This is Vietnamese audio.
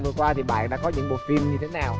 vừa qua thì bạn đã có những bộ phim như thế nào